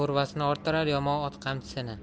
orttirar yomon ot qamchisini